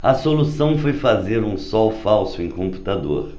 a solução foi fazer um sol falso em computador